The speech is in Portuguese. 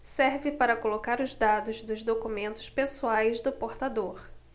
serve para colocar os dados dos documentos pessoais do portador